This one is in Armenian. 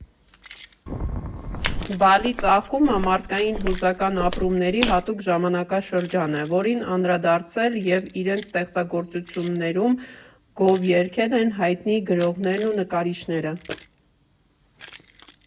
Բալի ծաղկումը մարդկային հուզական ապրումների հատուկ ժամանակաշրջան է, որին անդրադարձել և իրենց ստեղծագործություններում գովերգել են հայտնի գրողներն ու նկարիչները։